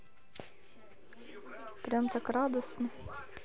прям так радостно